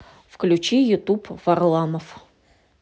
включи ютуб варламов